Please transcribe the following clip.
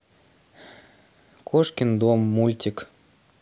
кошкин дом мультик